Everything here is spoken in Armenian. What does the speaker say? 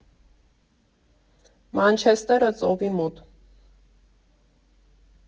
Մանչեսթերը ծովի մոտ։